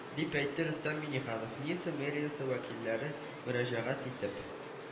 Дип әйтте рөстәм миңнеханов ницца мэриясе вәкилләре мөрәҗәгать итеп